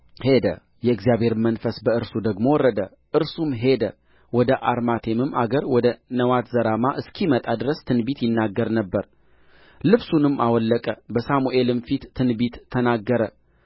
ሄደ የእግዚአብሔርም መንፈስ በእርሱ ደግሞ ወረደ እርሱም ሄደ ወደ አርማቴምም አገር ወደ ነዋትዘራማ እስኪመጣ ድረስ ትንቢት ይናገር ነበር ልብሱንም አወለቀ በሳሙኤልም ፊት ትንቢት ተናገረ